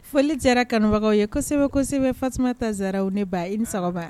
Foli jara kanubagaw ye kosɛbɛ kosɛbɛ fa tasuma tasaararaw ne ba i ni sago